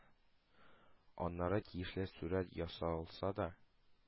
Аннары... тиешле сурәт ясалса да,